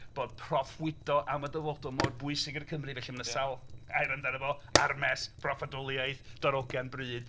Bod proffwydo am y dyfodol mor bwysig i'r Cymry felly mae 'na sawl air amdana fo; armes, proffwydoliaeth, darogan, bryd.